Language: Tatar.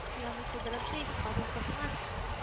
Син аны сыдырып җый, каты кысма